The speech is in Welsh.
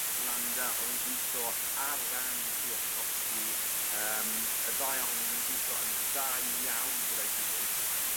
Landa odd yn gwitho ar ran Kwiatkowski yym y ddau ohonyn n'w gwitho yn dda iawn gyda'i gilydd.